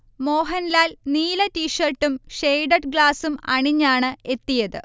മോഹൻലാൽ നീല ടീഷർട്ടും ഷെയ്ഡഡ് ഗ്ലാസും അണിഞ്ഞാണ് എത്തിയത്